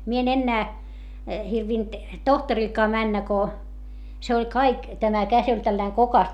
minä en enää hirvennyt tohtorillekaan mennä kun se oli kaikki tämä käsi oli tällainen kookas